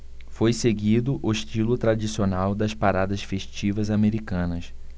foi seguido o estilo tradicional das paradas festivas americanas